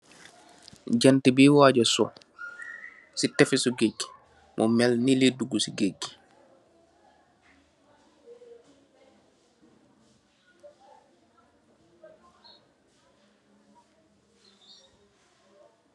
Jantah biy waaja soh, si tefesu gaij ji, mu mel nii lii dugu si gaij gi.